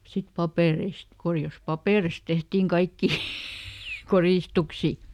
sitten papereista koreasta paperista tehtiin kaikkia koristuksia